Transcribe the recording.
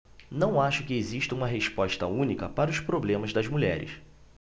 não acho que exista uma resposta única para os problemas das mulheres